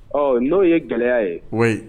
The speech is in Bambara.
Ɔ n'o ye gɛlɛya ye koyi